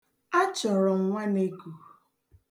Achọrọ m nwaneku.